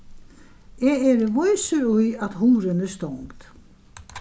eg eri vísur í at hurðin er stongd